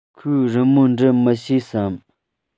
ཁོས རི མོ འབྲི མི ཤེས སམ